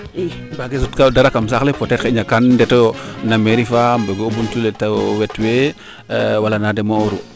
mbaage sut dara kam saax le peut etre ga ndetoyo na mairie faa mbeto buntu le to wet we wala na demo'ooru